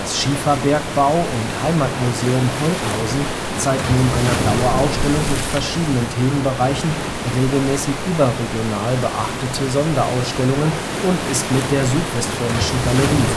Schieferbergbau - und Heimatmuseum Holthausen zeigt neben einer Dauerausstellung mit verschiedenen Themenbereichen regelmäßig überregional beachtete Sonderausstellungen und ist mit der Südwestfälischen Galerie